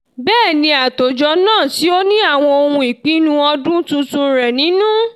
Bẹ́ẹ̀ni, àtòjọ náà tí ó ní àwọn Ìpinnu Ọdún Tuntun rẹ nínú.